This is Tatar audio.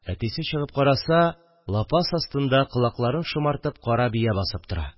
Әтисе чыгып караса, лапас астында колакларын шомартып кара бия басып тора